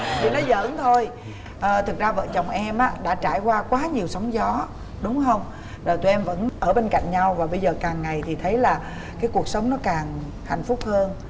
chị nói giỡn thôi ờ thực ra vợ chồng em á đã trải qua quá nhiều sóng gió đúng hông rồi tụi em vẫn ở bên cạnh nhau và bây giờ càng ngày thì thấy là cái cuộc sống nó càng hạnh phúc hơn